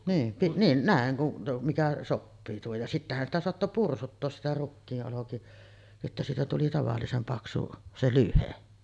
niin - niin näin kun mikä sopii tuohon ja sittenhän sitä saattoi pursuttaa sitä rukiin - että siitä tuli tavallisen paksu se lyhde